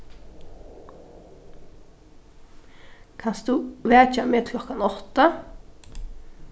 kanst tú vekja meg klokkan átta